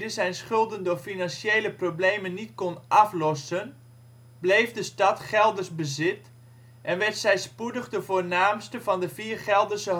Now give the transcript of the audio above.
zijn schulden door financiële problemen niet kon aflossen, bleef de stad Gelders bezit en werd zij spoedig de voornaamste van de vier Gelderse